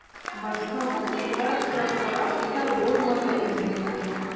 Башка вакытта чакырып та булмады үзеңне.